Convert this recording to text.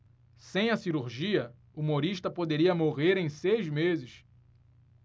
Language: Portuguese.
sem a cirurgia humorista poderia morrer em seis meses